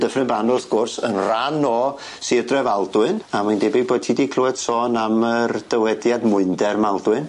Dyffryn Banw wrth gwrs yn ran o Sir Drefaldwyn, a mae'n debyg bo' ti 'di clwed sôn am yr dywediad mwynder Maldwyn.